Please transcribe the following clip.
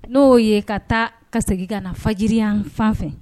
N'o ye ka taa ka segin ka na fajiriyanfan fɛ